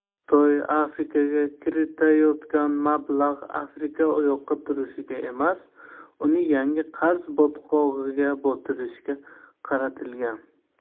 xitoy afrikaga kiritayotgan mablag' afrika oyoqqa turishiga emas uni yangi qarz botqog'iga botirishga qaratilgan